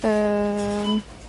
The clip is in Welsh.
Yym.